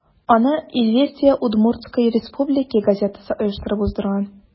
Аны «Известия Удмуртсткой Республики» газетасы оештырып уздырган.